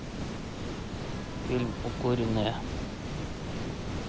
фильм укуренные